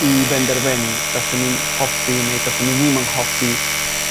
i benderfenu dase nw'n hoffi neu dase nw ddim yn hoffi